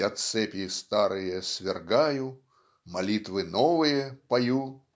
Я цепи старые свергаю, Молитвы новые пою,